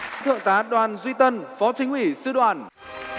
thượng tá đoàn duy tân phó chính ủy sư đoàn